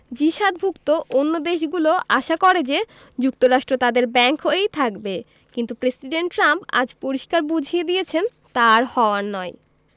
জি ৭ ভুক্ত অন্য দেশগুলো আশা করে যে যুক্তরাষ্ট্র তাদের ব্যাংক হয়েই থাকবে কিন্তু প্রেসিডেন্ট ট্রাম্প আজ পরিষ্কার বুঝিয়ে দিয়েছেন তা আর হওয়ার নয়